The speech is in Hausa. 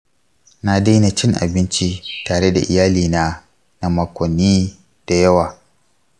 na daina cin abinci tare da iyalina na makonni da yawa.